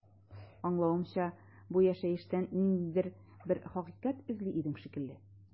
Аңлавымча, бу яшәештән ниндидер бер хакыйкать эзли идең шикелле.